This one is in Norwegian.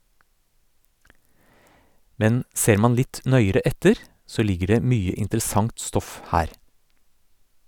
Men ser man litt nøyere etter, så ligger det mye interessant stoff her.